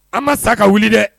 An ma sa ka wuli dɛ